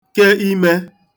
ke imē